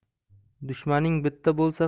dushmaning bitta bo'lsa